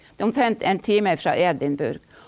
det er omtrent en time ifra Edinburgh.